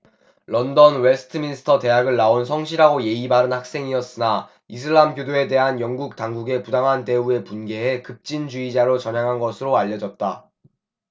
런던 웨스트민스터 대학을 나온 성실하고 예의 바른 학생이었으나 이슬람교도에 대한 영국 당국의 부당한 대우에 분개해 급진주의자로 전향한 것으로 알려졌다